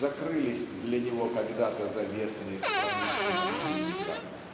закрылись для него когда-то заветные страницы молитвенника